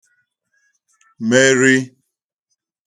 meri